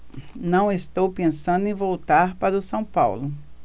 não estou pensando em voltar para o são paulo